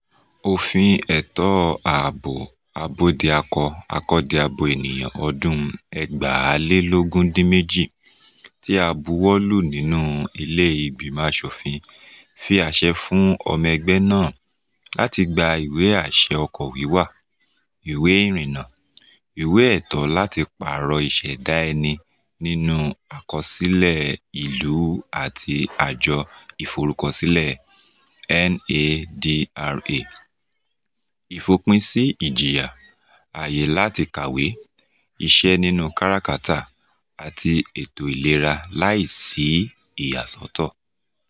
Òfin Ẹ̀tọ́ Ààbò Abódiakọ-akọ́diabo Ènìyàn ọdún 2018 tí a bu ọwọ́ lù nínú ilé ìgbìmọ̀ aṣòfin fi àṣẹ fún ọmọ ẹgbẹ́ náà láti gba ìwé àṣẹ ọkọ̀ wíwà, ìwé ìrìnnà, ní ẹ̀tọ́ láti pààrọ ìṣẹ̀dá ẹni nínú àkọsílẹ̀ ìlú àti Àjọ Ìforúkọsílẹ̀ (NADRA), ìfòpinsí ìjìyà, àyè láti kàwé, iṣẹ́ nínú káràkátà àti ètò ìlera láì sí ìyàsọ́tọ̀.